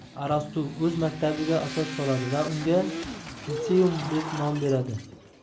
arastu o'z maktabiga asos soladi va unga liseum deb nom beradi